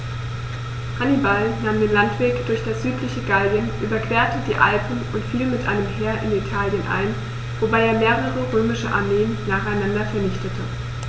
Hannibal nahm den Landweg durch das südliche Gallien, überquerte die Alpen und fiel mit einem Heer in Italien ein, wobei er mehrere römische Armeen nacheinander vernichtete.